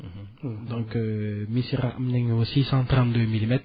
donc Missirah am nañu six cent trente deux milimètres